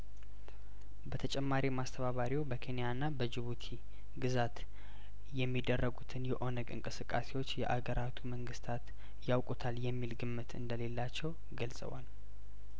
በተጨማሪም አስተባባሪው በኬኒያና በጂቡቲ ግዛት የሚደረጉትን የኦነግ እንቅስቃሴዎች የአገራቱ መንግስታት ያውቁታል የሚል ግምት እንደሌላቸው ገልጸዋል